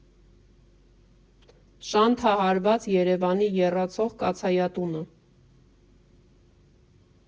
Շանթահարված Երևանի եռացող կաթսայատունը։